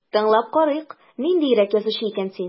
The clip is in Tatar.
Тыңлап карыйк, ниндирәк язучы икән син...